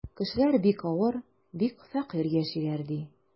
Кешеләр бик авыр, бик фәкыйрь яшиләр, ди.